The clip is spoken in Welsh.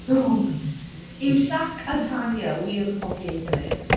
O my days. Yw Shaq a Tanya wir yn hoffi ei gilydd?